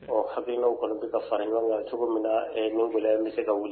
Ɔ hali'aw kɔni bɛ ka fara ɲɔgɔn kan cogo min na ne bolo n bɛ se ka